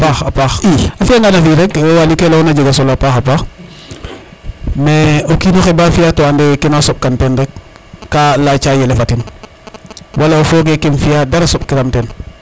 a paxa paxa paax i a fiya ngan a fi rek Waly ke leyona a jega solo a paxa paax mais o kinoxe ba fiya to ande kena soɓ kan ten rek ka yaca yelefatin wala o foge kem fiya dara soɓ kiram